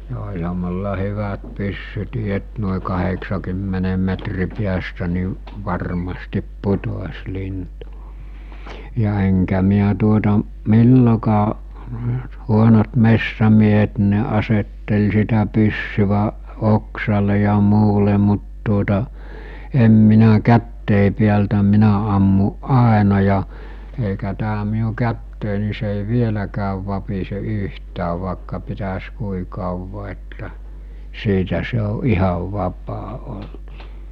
ja olihan minulla hyvät pyssytkin että noin kahdeksakymmenen metrin päästä niin varmasti putosi lintu ja enkä minä tuota milloinkaan huonot metsämiehet niin ne asetteli sitä pyssyä oksalle ja muualle mutta tuota en minä käsieni päältä minä ammuin aina ja eikä tämä minun käteni niin se ei vieläkään vapise yhtään vaikka pitäisi kuinka kauan että siitä se on ihan vapaa ollut